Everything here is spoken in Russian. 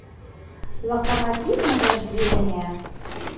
локомотив награждения